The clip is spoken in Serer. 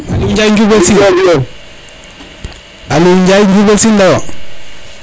Aliou Ndiaye Ndioubel Sine Aliou Ndiaye Ndioubel Sine leyo